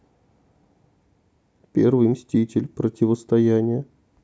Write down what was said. первый мститель противостояние